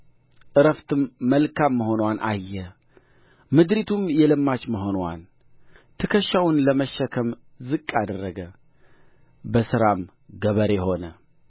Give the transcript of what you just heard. ዕረፍትም መልካም መሆንዋን አየ ምድሪቱም የለማች መሆንዋን ትከሻውን ለመሸከም ዝቅ አደረገ በሥራም ገበሬ ሆነ